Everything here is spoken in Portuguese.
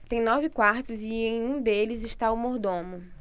tem nove quartos e em um deles está o mordomo